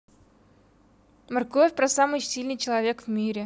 морковь про самый сильный человек в мире